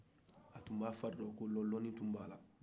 u tun b'a farila ko dɔn dɔni tun b'ala